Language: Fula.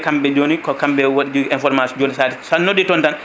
kamɓe joni ko kamɓe woddi information joni sa sa noddi toon tan